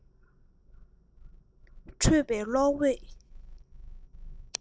འཕྲོས པའི གློག འོད